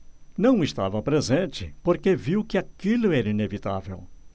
não estava presente porque viu que aquilo era inevitável